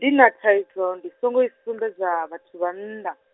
ndi na thaidzo ndi songo i sumbedza vhathu vhannḓa.